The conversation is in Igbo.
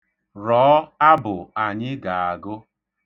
Rọọ abụ anyị ga-agụ.